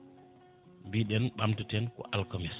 mbiɗen ɓamtaten ko alkamisa